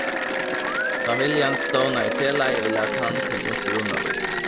familjan stovnaði felagið og læt handilin upp í runavík